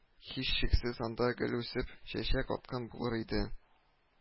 Һичшиксез анда гөл үсеп чәчәк аткан булыр иде